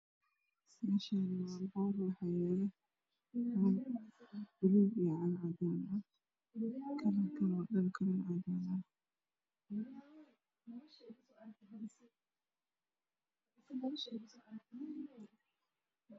Meshan waa poor cadana ah waxa ayalo Paluug iyo cagad cadana ah kalarkan wa akalar cadaana ah